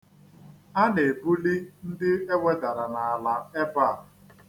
A na-ebuli ndị ewedara n'ala ebe a.